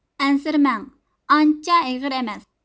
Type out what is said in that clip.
ئەنسىرىمەڭ ئانچە ئېغىر ئەمەس